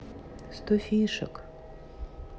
сто фишек